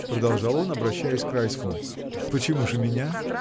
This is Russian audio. — продолжал он, обращаясь к Райскому. — Почему же меня?